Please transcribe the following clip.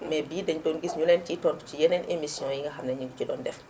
mais bii dañu doon gis ñu leen siy tontu ci yeneen émission yi nga xam ni ñu ngi ci doon def